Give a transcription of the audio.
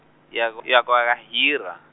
ya- ya- ka Ahira.